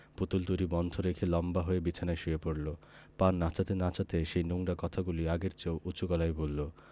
পুতুল তৈরী বন্ধ রেখে লম্বা হয়ে বিছানায় শুয়ে পড়লো পা নাচাতে নাচাতে সেই নোংরা কথাগুলি আগের চেয়েও উচু গলায় বললো